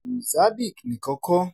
Mozambique nìkan kọ́.